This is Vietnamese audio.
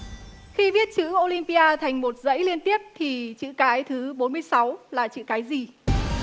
khi viết chữ ô lim pi a thành một dãy liên tiếp thì chữ cái thứ bốn mươi sáu là chữ cái gì